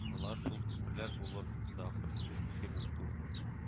Алар шул күперләр булыр да ахрысы”,—дип фикер йөртте ул